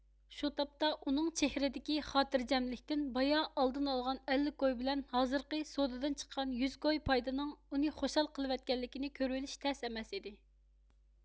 شۇ تاپتا ئۇنىڭ چېھرىدىكى خاتىرجەملىكتىن بايا ئالدىن ئالغان ئەللىك كوي بىلەن ھازىرقى سودىدىن چىققان يۈز كوي پايدىنىڭ ئۇنى خۇشال قىلىۋەتكەنلىكىنى كۆرۈۋېلىش تەس ئەمەس ئىدى